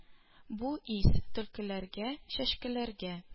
Бу ис төлкеләргә, чәшкеләргә